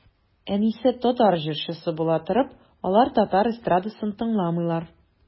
Әнисе татар җырчысы була торып, алар татар эстрадасын тыңламыйлар.